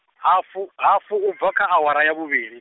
hafu, hafu u bva kha awara ya vhuvhili.